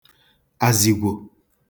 àzị̀gwò